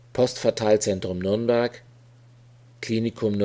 Post-Verteilzentrum Nürnberg Klinikum